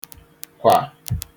kwà